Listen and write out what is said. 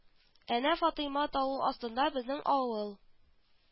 Әнә фатыйма-тау астында безнең авыл